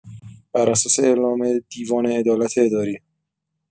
براساس اعلام دیوان عدالت اداری